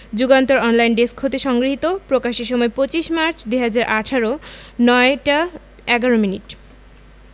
Jugantor online desk হতে সংগৃহীত প্রকাশের সময় ২৫ মার্চ ২০১৮ ০৯ টা ১১ মিনি